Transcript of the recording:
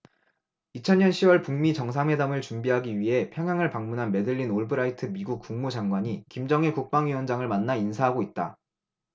이천 년 시 월 북 미 정상회담을 준비하기 위해 평양을 방문한 매들린 올브라이트 미국 국무장관이 김정일 국방위원장을 만나 인사하고 있다